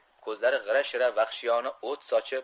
ko'zlari g'ira shirada vahshiyona o't sochib